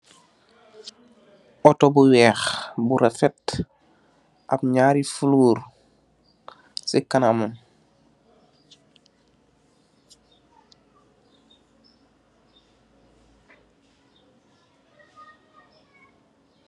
Oortoh bu wekh bu rafet, ak njaari fleur ci kanamam.